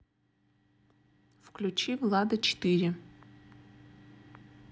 выключи влада четыре